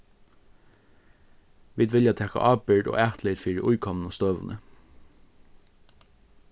vit vilja taka ábyrgd og atlit fyri íkomnu støðuni